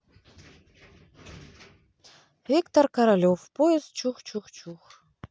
виктор королев поезд чух чух чух